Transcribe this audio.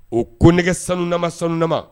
O kon nɛgɛ sanulama ,sanulama